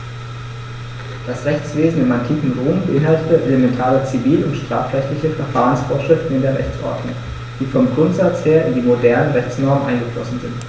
Das Rechtswesen im antiken Rom beinhaltete elementare zivil- und strafrechtliche Verfahrensvorschriften in der Rechtsordnung, die vom Grundsatz her in die modernen Rechtsnormen eingeflossen sind.